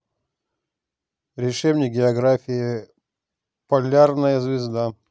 решебник география полярная звезда